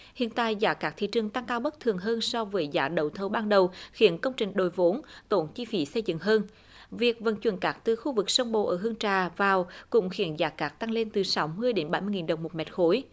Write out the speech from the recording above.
hiện tại giá cát thị trường tăng cao bất thường hơn so với giá đấu thầu ban đầu khiến công trình đội vốn tốn chi phí xây dựng hơn việc vận chuyển cát từ khu vực sông bồ ở hương trà vào cũng khiến giá cát tăng lên từ sáu mươi đến bảy mươi nghìn đồng một mét khối